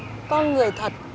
con người thật